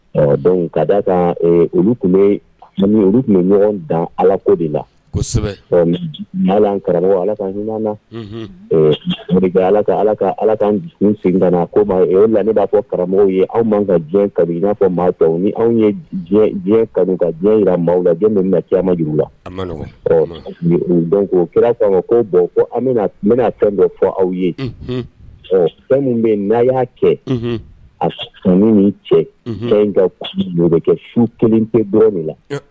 Ka da ka olu tun bɛ olu tun bɛ ɲɔgɔn dan ala ko de la' karamɔgɔ ala ka ɲuman na ala ka ala ka ala ka sen na ko la ne b'a fɔ karamɔgɔw ye anw ma ka diɲɛ ka i n'a fɔ maa ni anw ye diɲɛ kanu ka diɲɛ jira maaw la diɲɛ min na cama jugu la ɔ dɔn ko kira' ko bɔn an bɛna fɛn dɔ fɔ aw ye ɔ fɛn min bɛ na y'a cɛ a sanu ni cɛ fɛn ka numukɛ kɛ su kelen pe dɔ min la